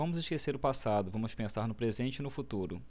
vamos esquecer o passado vamos pensar no presente e no futuro